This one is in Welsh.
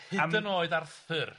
Hyd yn oed Arthur.